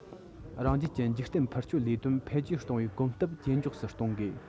རང རྒྱལ གྱི འཇིག རྟེན འཕུར སྐྱོད ལས དོན འཕེལ རྒྱས གཏོང བའི གོམ སྟབས ཇེ མགྱོགས སུ གཏོང དགོས